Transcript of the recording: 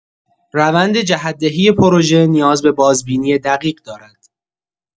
روند جهت‌دهی پروژه نیاز به بازبینی دقیق دارد.